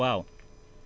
waaw